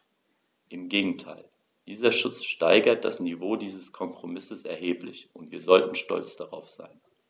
Im Gegenteil: Dieser Schutz steigert das Niveau dieses Kompromisses erheblich, und wir sollten stolz darauf sein.